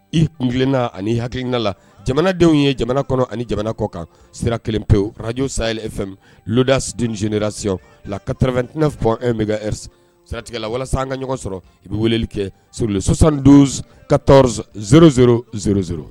I kelenna ani hakiina la jamanadenw ye jamana kɔnɔ ani jamana kɔ kan sira kelen pewuranrakaj sayeme dasidenserasi la ka tarawele2 fɔ bɛ siratigɛ la walasa an ka ɲɔgɔn sɔrɔ i bɛ weleli kɛ soroli sɔsan ka0z0z